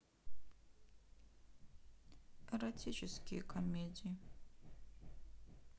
эротические комедии